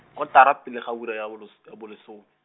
kotara pele ga ura ya boles-, ya bolesome.